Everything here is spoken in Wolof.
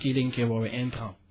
kii la ñu koy woowee intrant